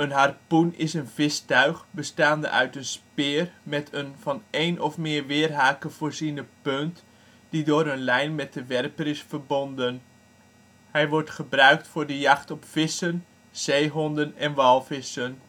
harpoen is een vistuig, bestaande uit een speer met een van één of meer weerhaken voorziene punt, die door een lijn met de werper is verbonden. Hij wordt gebruikt voor de jacht op vissen, zeehonden en walvissen